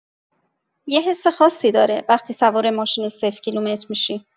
یه حس خاصی داره وقتی سوار ماشین صفرکیلومتر می‌شی.